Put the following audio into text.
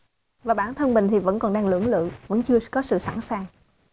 và bản thân mình thì vẫn còn đang lưỡng lự vẫn chưa có sự sẵn sàng